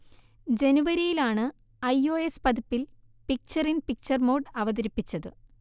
ജനുവരിയിലാണ് I O S പതിപ്പിൽ picture in picture mode അവതരിപ്പിച്ചത്